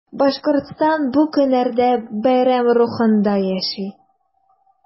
Башкортстан бу көннәрдә бәйрәм рухында яши.